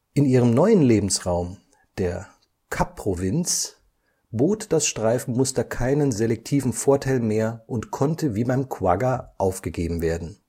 In ihrem neuen Lebensraum, der Kapprovinz, bot das Streifenmuster keinen selektiven Vorteil mehr und konnte wie beim Quagga aufgegeben werden